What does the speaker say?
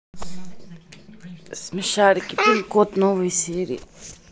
смешарики пин код новые серии